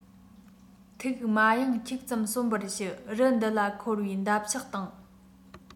ཐུགས མ གཡེང ཁྱུག ཙམ གསོན པར ཞུ རི འདི ལ འཁོར བའི འདབ ཆགས དང